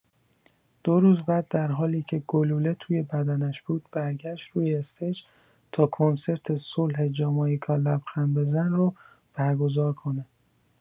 دو روز بعد در حالی که گلوله توی بدنش بود برگشت روی استیج تا کنسرت صلح «جامائیکا لبخند بزن» رو برگزار کنه.